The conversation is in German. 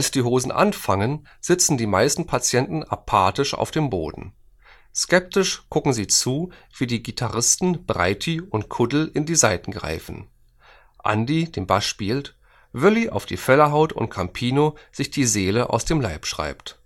die Hosen anfangen, sitzen die meisten Patienten apathisch auf dem Boden. Skeptisch gucken sie zu, wie die Gitarristen Breiti und Kuddel in die Saiten greifen, Andi den Bass zupft, Wölli auf die Felle haut und Campino sich die Seele aus dem Leib schreit